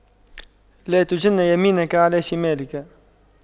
لا تجن يمينك على شمالك